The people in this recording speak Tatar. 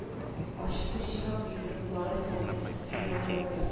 Ачуы чыгып йодрыкларын каты итеп йомарлады